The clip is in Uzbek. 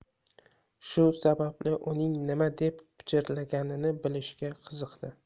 shu sababli uning nima deb pichirlaganini bilishga qiziqdi